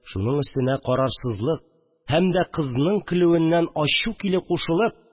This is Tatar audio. Шуның өстенә карарсызлык һәм дә кызның көлүеннән ачу килү кушылып